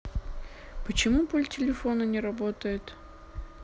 почему пульт телефона не работает